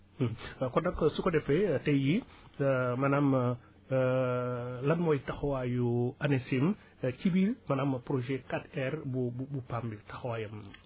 kon nag su ko defee tay jii maanaam lan mooy taxawaayu ANACIM ci biir maanaam projet 4R bu bu bu PAM bi taxawaayam